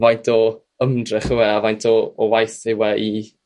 faint o ymdrech yw e a faint o waith yw e i